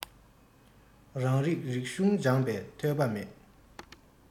རང རིགས རིག གཞུང སྦྱངས པའི ཐོས པ མེད